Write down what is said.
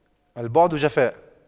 البعد جفاء